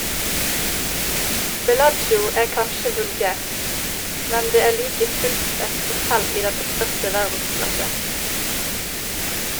Bellagio er kanskje vulgært, men det er like fullt et hotell i den ypperste verdensklasse.